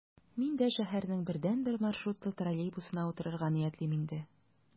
Мин дә шәһәрнең бердәнбер маршрутлы троллейбусына утырырга ниятлим инде...